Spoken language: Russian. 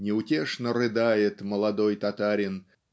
неутешно рыдает молодой татарин